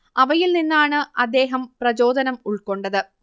അവയിൽ നിന്നാണ് അദ്ദേഹം പ്രചോദനം ഉൾക്കൊണ്ടത്